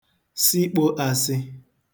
sịkpō āsị̄